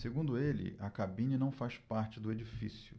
segundo ele a cabine não faz parte do edifício